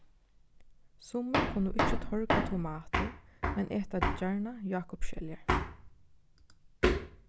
summi kunnu ikki torga tomatir men eta gjarna jákupsskeljar